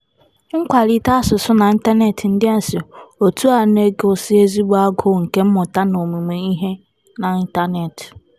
Nkwalite asụsụ n'ịntanetị ndị a si òtù a na-egosi ezigbo agụụ nke mmụta na omume ihe n'ịntanetị.